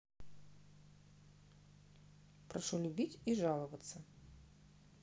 прошу любить и жаловаться